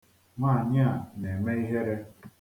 Nwaanyị a na-eme ihere.